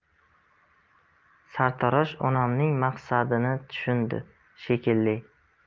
sartarosh onamning maqsadini tushundi shekilli